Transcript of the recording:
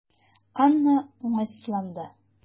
Анна уңайсызланды.